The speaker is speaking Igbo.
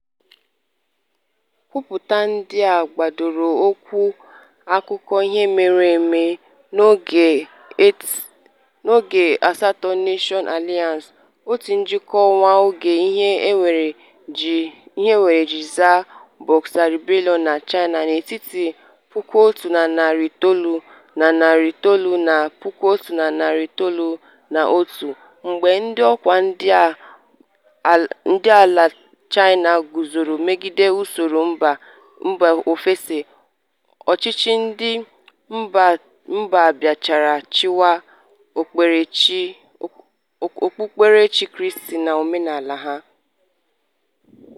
Nkwupụta ndị a gbadoroụkwụ n'akụkọ ihe mere eme n'oge Eight-Nation Alliance, òtù njikọ nwa oge e hiwere iji zaghachi Boxer Rebellion na China n'etiti 1899 na 1901 mgbe ndị ọkwá dị ala na China guzoro ịmegide usoro mba ofesi, ọchịchị ndị mbịarachiwa, okpukperechi Kraịst na omenala ha.